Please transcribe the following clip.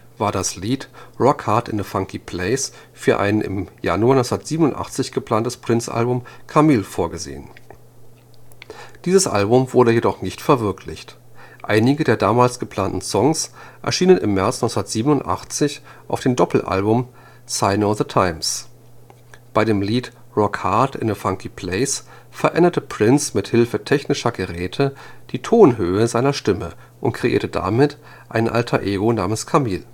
war das Lied Rockhard in a Funky Place für ein im Januar 1987 geplantes Prince-Album Camille vorgesehen. Dieses Album wurde jedoch nicht verwirklicht, einige der damals geplanten Songs erschienen im März 1987 auf dem Doppelalbum Sign o’ the Times. Bei dem Lied Rockhard in a Funky Place veränderte Prince mit Hilfe technischer Geräte die Tonhöhe seiner Stimme und kreierte damit ein Alter Ego namens „ Camille